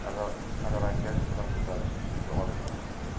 bilan ko'tarishib uyga olib kirishdi